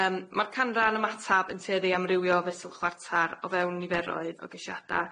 Yym ma'r canran ymatab yn tueddu i amrywio fesul chwartar o fewn niferoedd o gesiada.